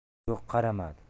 yo'q qaramadi